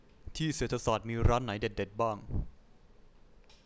ที่เศรษฐศาสตร์มีร้านไหนเด็ดเด็ดบ้าง